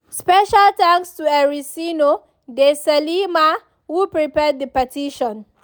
Special thanks to Ericino de Salema who prepared the petition.